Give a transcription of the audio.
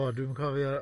O, dwi'm yn cofio.